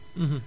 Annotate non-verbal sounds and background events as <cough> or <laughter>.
<hesitation> <hesitation>